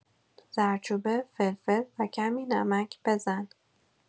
زردچوبه، فلفل و کمی نمک بزن.